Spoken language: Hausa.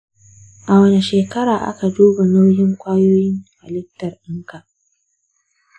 a wane shekara aka duba nau’in kwayoyin halittar ɗanka?